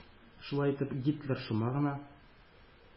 Шулай итеп Гитлер шома гына